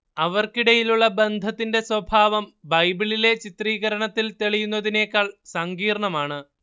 അവർക്കിടയിലുള്ള ബന്ധത്തിന്റെ സ്വഭാവം ബൈബിളിലെ ചിത്രീകരണത്തിൽ തെളിയുന്നതിനേക്കാൾ സങ്കീർണ്ണമാണ്